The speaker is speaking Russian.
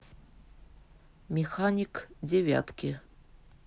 механик девятки